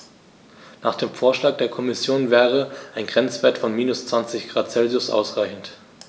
Nach dem Vorschlag der Kommission wäre ein Grenzwert von -20 ºC ausreichend.